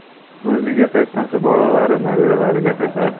o'ziga qaytmasa bolalari nabiralariga qaytadi